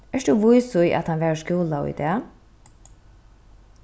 ert tú vís í at hann var í skúla í dag